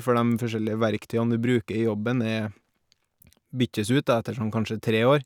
For dem forskjellige verktøyene du bruker i jobben er byttes ut, da, etter sånn kanskje tre år.